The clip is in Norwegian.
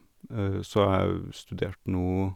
Så jeg studerte nå...